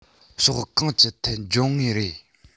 ཕྱོགས གང ཅིའི ཐད འབྱུང ངེས རེད